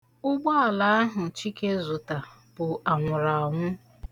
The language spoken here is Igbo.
Ụgbaala ahụ Chike zụta bụ anwụraanwụ.